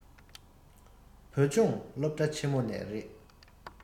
བོད ལྗོངས སློབ གྲྭ ཆེན མོ ནས རེད